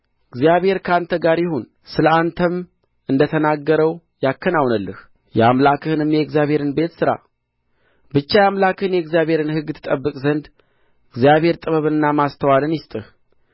እግዚአብሔር ከአንተ ጋር ይሁን ስለ አንተም እንደ ተናገረው ያከናውንልህ የአምላክህንም የእግዚአብሔርን ቤት ሥራ ብቻ የአምላክህን የእግዚአብሔርን ሕግ ትጠብቅ ዘንድ እግዚአብሔር ጥበብንና ማስተዋልን ይስጥህ